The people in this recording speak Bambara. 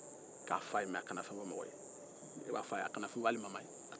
k'a f'a ye a kana fɛn fɔ mɔgɔ ye